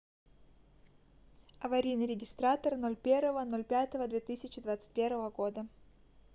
аварийный регистратор ноль первого ноль пятого две тысячи двадцать первого года